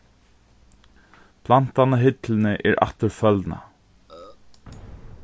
plantan á hillini er aftur følnað